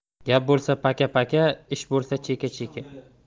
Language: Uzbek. gap bo'lsa paka paka ish bo'lsa cheka cheka